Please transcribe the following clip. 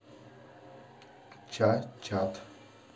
ча чат